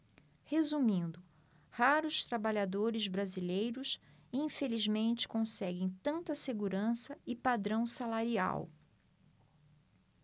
resumindo raros trabalhadores brasileiros infelizmente conseguem tanta segurança e padrão salarial